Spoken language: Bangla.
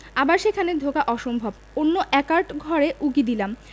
আবার সেখানে ঢোকা অসম্ভব অন্য একার্ট ঘরে উকি দিলাম